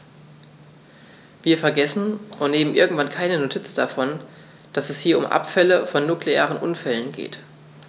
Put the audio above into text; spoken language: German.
Wir vergessen, und nehmen irgendwie keine Notiz davon, dass es hier um Abfälle von nuklearen Unfällen geht.